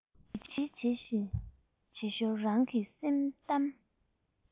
བྱིལ བྱིལ བྱེད ཞོར རང གི སེམས གཏམ